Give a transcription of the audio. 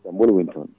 jaam ɓolo woni toon